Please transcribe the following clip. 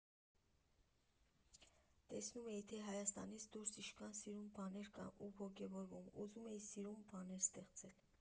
Տեսնում էի, թե Հայաստանից դուրս ինչքան սիրուն բաներ կան, ու ոգևորում, ուզում էի սիրուն բաներ ստեղծել։